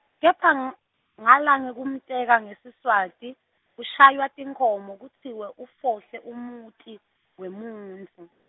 kepha ng- ngalangekumteka ngeSiswati, kushaywa tinkhomo kutsiwe ufohle umuti, wemuntfu.